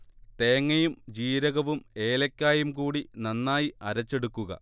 തേങ്ങയും ജീരകവും ഏലയ്ക്കായും കൂടി നന്നായി അരച്ചെടുക്കുക